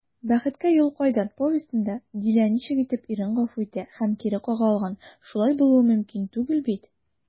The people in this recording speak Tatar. «бәхеткә юл кайдан» повестенда дилә ничек итеп ирен гафу итә һәм кире кага алган, шулай булуы мөмкин түгел бит?»